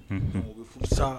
Un sa